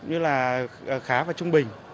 như là khá và trung bình